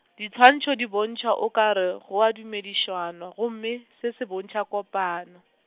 diswantšho di bontšhwa o kgare go dumedišanwa, gomme se se bontšha kopano.